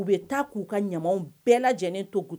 U bɛ taa k'u ka ɲamaw bɛɛ lajɛlen to